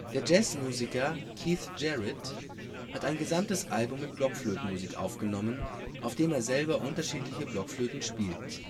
Der Jazzmusiker Keith Jarrett hat ein gesamtes Album mit Blockflötenmusik aufgenommen, auf dem er selber unterschiedliche Blockflöten spielt